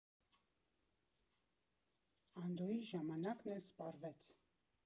Անդոյի ժամանակն էլ սպառվեց։